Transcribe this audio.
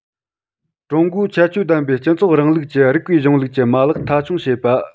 ཀྲུང གོའི ཁྱད ཆོས ལྡན པའི སྤྱི ཚོགས རིང ལུགས ཀྱི རིགས པའི གཞུང ལུགས ཀྱི མ ལག མཐའ འཁྱོངས བྱེད པ